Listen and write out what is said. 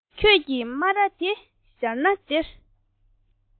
ཁྱོད ཀྱི སྨ ར དེ གཞར ན བདེ